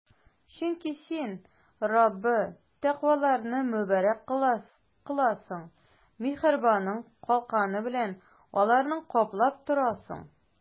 Чөнки Син, Раббы, тәкъваларны мөбарәк кыласың, миһербаның калканы белән аларны каплап торасың.